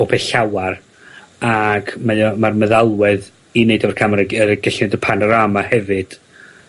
o be' lawar, ag mae o ma'r meddalwedd i neud efo'r camra gy- yy gellu neud y panerama hefyd,